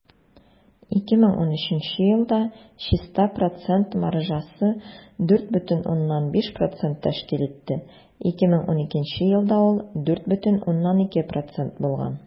2013 елда чиста процент маржасы 4,5 % тәшкил итте, 2012 елда ул 4,2 % булган.